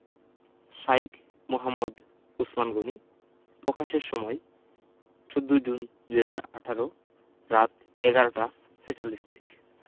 শাঈখ মুহাম্মদ উছমান গনী পকাশের সময় ১৪ জুন ২০১৮ রাত ১১টা ৪৬ মিনিট